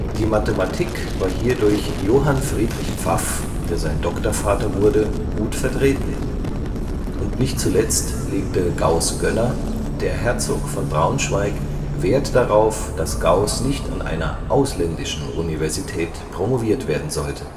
Die Mathematik war hier durch Johann Friedrich Pfaff – der sein Doktorvater wurde – gut vertreten, und nicht zuletzt legte Gauß’ Gönner, der Herzog von Braunschweig, Wert darauf, dass Gauß nicht an einer „ ausländischen “Universität promoviert werden sollte